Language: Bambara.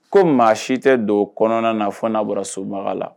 Ko maa si tɛ don kɔnɔna na fɔ n'a bɔra la.